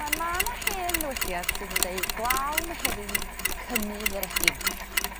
Wel ma' 'na hen ddywediad sydd yn deud glaw Mehefin cynnydd yr egin.